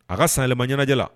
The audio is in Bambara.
A ka sanɛlɛma ɲɛnajɛ la